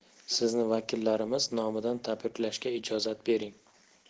sizni vakillarimiz nomidan tabriklashga ijozat bering